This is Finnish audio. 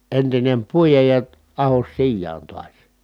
entinen puida ja ahdos sijaan taas